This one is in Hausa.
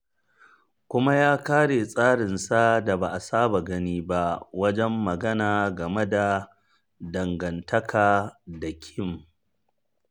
Kuma ya kare tsarinsa da ba a saba gani ba wajen magana game da dangantaka da Kim.